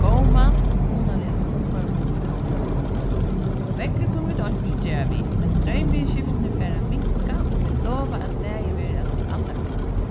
góman í hugnaligasta umhvørvinum í tórshavn veðrið kunnu vit einki gera við men streymviðurskiftini fara at minka og vit lova at lagið verður av tí allarbesta